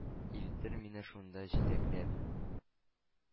Илтер мине шунда җитәкләп.